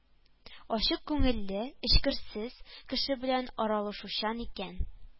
Ачык күңелле, эчкерсез, кеше белән аралашучан икән